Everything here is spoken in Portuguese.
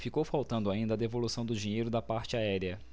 ficou faltando ainda a devolução do dinheiro da parte aérea